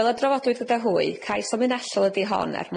Fel y drafodwyd gyda hwy cais ymlinellol ydi hon er